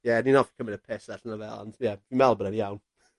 ie o'n i'n offi cymryd y piss allan o fe ond ie fi'n me'wl bod e'n iawn.